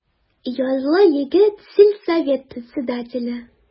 Ярлы егет, сельсовет председателе.